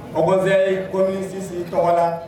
Mɔgɔze ko mini sisi tɔgɔ la